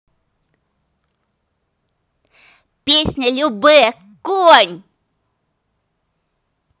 песня любэ конь